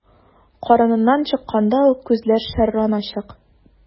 Карыныннан чыкканда ук күзләр шәрран ачык.